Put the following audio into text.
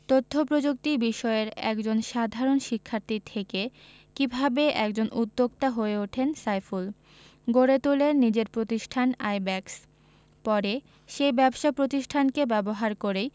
তথ্যপ্রযুক্তি বিষয়ের একজন সাধারণ শিক্ষার্থী থেকে কীভাবে একজন উদ্যোক্তা হয়ে ওঠেন সাইফুল গড়ে তোলেন নিজের প্রতিষ্ঠান আইব্যাকস পরে সেই ব্যবসা প্রতিষ্ঠানকে ব্যবহার করেই